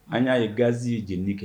An y'a ye gasi ye jeni kɛ